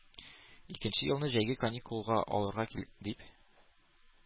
Икенче елны, җәйге каникулга алырга дип,